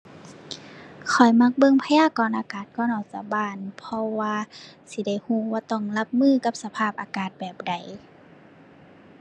ข้อยมักเบิ่งพยากรณ์อากาศก่อนออกจากบ้าน เพราะว่า สิได้รู้ว่าต้องรับมือกับสภาพอากาศแบบใด